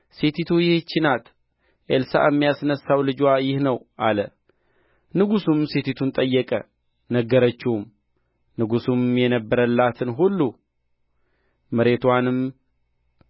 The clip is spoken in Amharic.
ሴቲቱ ይህች ናት ኤልሳዕም ያስነሣው ልጅዋ ይህ ነው አለ ንጉሡም ሴቲቱን ጠየቀ ነገረችውም ንጉሡም የነበረላትን ሁሉ መሬትዋንም